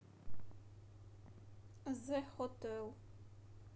the hotel